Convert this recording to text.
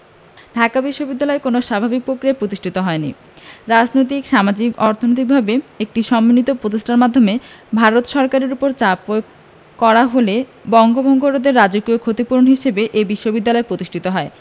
ঢাকা বিশ্ববিদ্যালয় কোনো স্বাভাবিক প্রক্রিয়ায় প্রতিষ্ঠিত হয়নি রাজনৈতিক সামাজিক ও অর্থনৈতিকভাবে একটি সমন্বিত প্রচেষ্টার মাধ্যমে ভারত সরকারের ওপর চাপ প্রয়োগ করা হলে বঙ্গভঙ্গ রদের রাজকীয় ক্ষতিপূরণ হিসেবে এ বিশ্ববিদ্যালয় প্রতিষ্ঠিত হয়